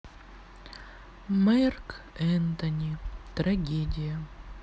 marc anthony трагедия